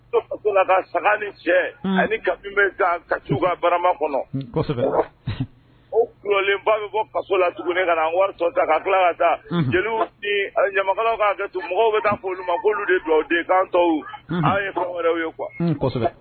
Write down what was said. Saga ni cɛ ani ka bɛ ka ka barama kɔnɔ o kulen ba bɛ bɔ la tuguni ka wari ka ka jeliw ɲamakala' kɛ mɔgɔw bɛ taa'olu de bila anw ye wɛrɛ ye kuwa